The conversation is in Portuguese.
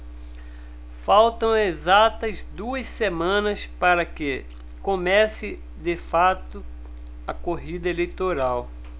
faltam exatas duas semanas para que comece de fato a corrida eleitoral